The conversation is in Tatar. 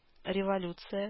Революция